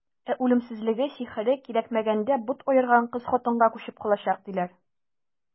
Ә үлемсезлеге, сихере кирәкмәгәндә бот аерган кыз-хатынга күчеп калачак, диләр.